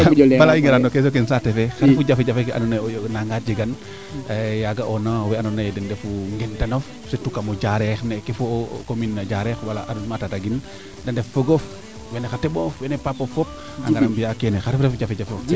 bala i ngara no question ke saate fe xar re u jafe jafe ke andoo naye nanga jegan ya ga'oona wee ando naye den ndefu ngen tanof surtout kamo Diarekh meke foo commune na Diarekh wala arrondiment Tataguine de ndef fogof wene xa teɓof wene papof fop a ngara mbiya keene xaro ref jafe jafe of teen